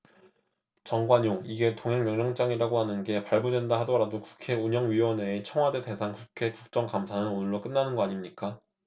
정관용 이게 동행명령장이라고 하는 게 발부된다 하더라도 국회 운영위원회의 청와대 대상 국회 국정감사는 오늘로 끝나는 거 아닙니까